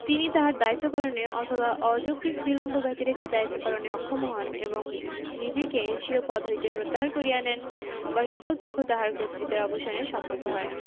তিনি তাহার দায়িত্ব পালনে অথবা অযৌক্তিক বিলম্ব ব্যতিরেকে দায়িত্ব পালনে অক্ষম হন এবং নিজেকে স্বীয় পদ হইতে প্রত্যাহার করিয়া নেন বা সকল পক্ষ তাহার কর্তৃত্বের অবসানে সম্মত হয়